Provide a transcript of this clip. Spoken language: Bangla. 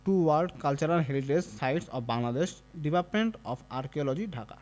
two world cultural heritage sites of Bangladesh department of archaeology Dhaka